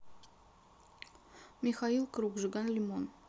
михаил круг жиган лимон